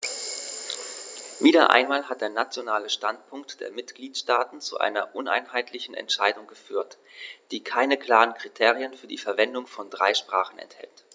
Wieder einmal hat der nationale Standpunkt der Mitgliedsstaaten zu einer uneinheitlichen Entscheidung geführt, die keine klaren Kriterien für die Verwendung von drei Sprachen enthält.